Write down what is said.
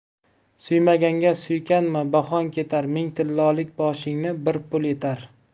suymaganga suykanma bahong ketar ming tillolik boshingni bir pul etar